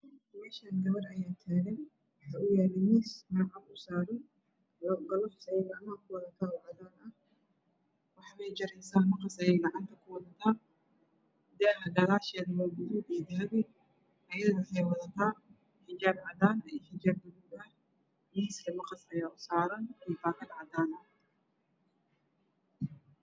Meeshaan gabar ayaa taagan miis ayaa horyaala warqad u saaran galoofis cadaan ah ayaa wadataa maqas ayay gacanta ku wataan . Daaha gadaasheedana waa gaduud iyo dahabi ayadana waxay wataan xijaab cadaan ah iyo xijaab buluug ah miiskana maqas ayaa usaaran iyo baakad cadaan ah.